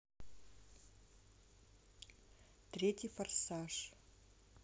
третий форсаж